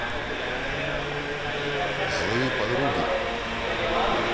злые подруги